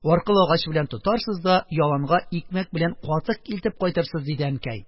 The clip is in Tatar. Аркылы агач белән тотарсыз да яланга икмәк белән катык илтеп кайтырсыз, - диде әнкәй.